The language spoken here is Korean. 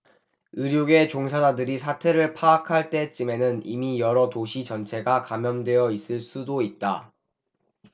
의료계 종사자들이 사태를 파악할 때쯤에는 이미 여러 도시 전체가 감염되어 있을 수도 있다